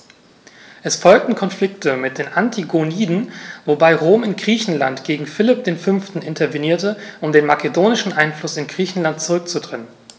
Es folgten Konflikte mit den Antigoniden, wobei Rom in Griechenland gegen Philipp V. intervenierte, um den makedonischen Einfluss in Griechenland zurückzudrängen.